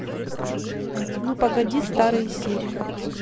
ну погоди старые серии